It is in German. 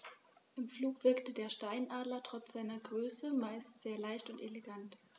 Im Flug wirkt der Steinadler trotz seiner Größe meist sehr leicht und elegant.